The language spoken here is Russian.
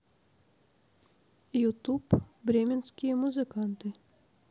ютуб бременские музыканты